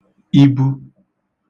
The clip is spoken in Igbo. ibu